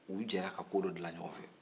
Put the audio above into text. u jɛra ka ko dɔ dilan ɲɔgɔnfɛ